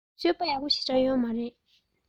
སྤྱོད པ ཡག པོ ཞེ དྲགས ཡོད མ རེད